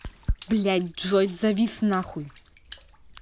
блядь джой завис нахуй